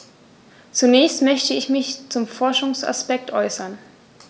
Zunächst möchte ich mich zum Forschungsaspekt äußern.